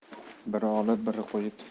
biri olib biri qo'yib